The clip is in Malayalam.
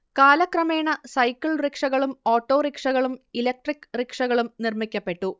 കാലക്രമേണ സൈക്കിൾ റിക്ഷകളും ഓട്ടോറിക്ഷകളും ഇലക്ട്രിക് റിക്ഷകളും നിർമ്മിക്കപ്പെട്ടു